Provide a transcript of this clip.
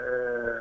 Un